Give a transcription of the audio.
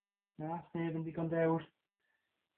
Na sneb yn ddigon dewr.